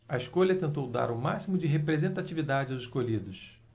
a escolha tentou dar o máximo de representatividade aos escolhidos